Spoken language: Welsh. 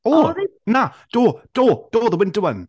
O, na, do, do, do, the winter one!